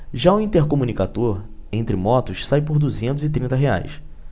já o intercomunicador entre motos sai por duzentos e trinta reais